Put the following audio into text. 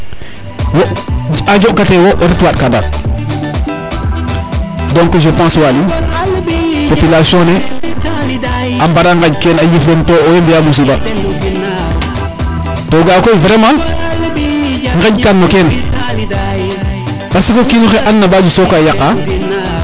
wo ajo kate wo o ret waaɗ ka daaɗ donc je pense Waly population ne a ɓara ŋaƴ tena yiif den to owey mbiya musiba to ga a koy vraiment ŋaƴ kaan no kene parce que o kinoxe ana ba ƴut sokoy a yaqa